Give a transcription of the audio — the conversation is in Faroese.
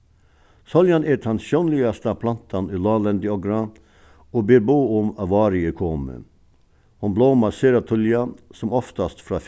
sóljan er tann sjónligasta plantan í láglendi okra og ber boð um at várið er komið hon blómar sera tíðliga sum oftast frá